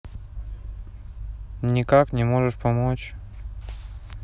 никак не можешь помочь